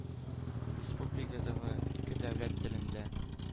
Республикадагы ике дәүләт телендә